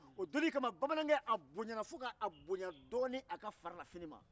o donnin kama bamanankɛ bonyana dɔɔnin fo k'a bonya a farilafinin ma